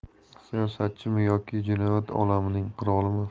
siyosatchimi yoki jinoyat olamining qirolimi